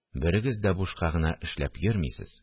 Берегез дә бушка гына эшләп йөрмисез